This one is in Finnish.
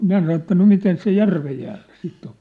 minä sanoin että no miten se järven jäällä sitten on